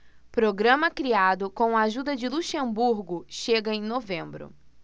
programa criado com a ajuda de luxemburgo chega em novembro